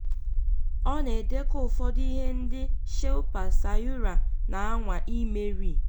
Ọ na-edekọ ụfọdụ ihe ndị Shilpa Sayura na-anwa imeri.